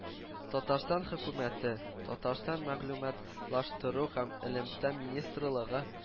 Татарстан Хөкүмәте, Татарстан Мәгълүматлаштыру һәм элемтә министрлыгы